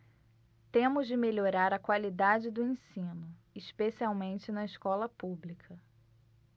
temos de melhorar a qualidade do ensino especialmente na escola pública